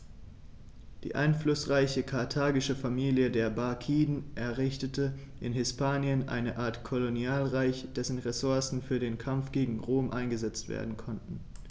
Die einflussreiche karthagische Familie der Barkiden errichtete in Hispanien eine Art Kolonialreich, dessen Ressourcen für den Kampf gegen Rom eingesetzt werden konnten.